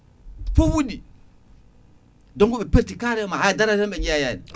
foo wuɗɗi donc ɓe perti carrément haydara hen ɓe jeeyani